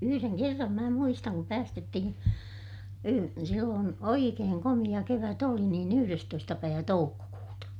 yhden kerran minä muistan kun päästettiin silloin oikein komea kevät oli niin yhdestoista päivä toukokuuta